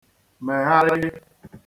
mègharị